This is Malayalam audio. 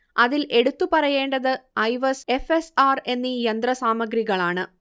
അതിൽ എടുത്തു പറയേണ്ടത് ഐവസ്, എഫ്. എസ്. ആർ എന്നീ യന്ത്ര സാമഗ്രികളാണ്